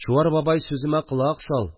Чуар бабай, сүземә колак сал